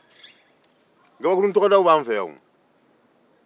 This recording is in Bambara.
kabakurutɔgɔdaw b'an fɛ yan o